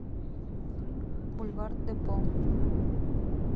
boulevard depo